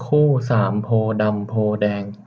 คู่สามโพธิ์ดำโพธิ์แดง